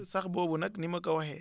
sax boobu nag ni ma ko waxee